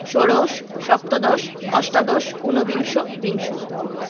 ষোড়শ সপ্তদশ অষ্টাদশ উনবিংশ বিংশ